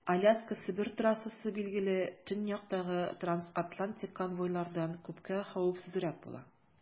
Аляска - Себер трассасы, билгеле, төньяктагы трансатлантик конвойлардан күпкә хәвефсезрәк була.